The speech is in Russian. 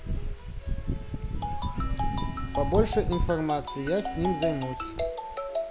побольше информации я с ним займусь